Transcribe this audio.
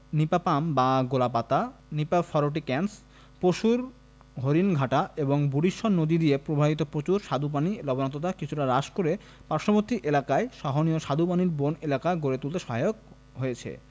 Nipa palm বা গোলাপাতা Nypa fruticans Pasur Haringhata এবং বুড়িশ্বর নদী দিয়ে প্রবাহিত প্রচুর স্বাদুপানি লবণাক্ততা কিছুটা হ্রাস করে পার্শ্ববর্তী এলাকায় সহনীয় স্বাদুপানির বন এলাকা গড়ে তুলতে সহায়ক হয়েছে